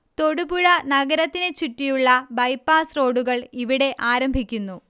തൊടുപുഴ നഗരത്തിനെ ചുറ്റിയുള്ള ബൈപാസ് റോഡുകൾ ഇവിടെ ആരംഭിക്കുന്നു